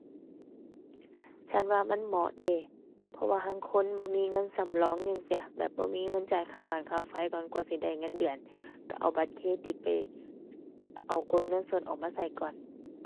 ฉันว่ามันเหมาะเดะ เพราะว่าหั้นคนบ่มีเงินสำรองจั่งซี้ แบบบ่มีเงินจ่ายค่าบ้านค่าไฟก่อนกว่าสิได้เงินเดือน ก็เอาบัตรเครดิตไป เอากดเงินสดออกมาก็ก่อน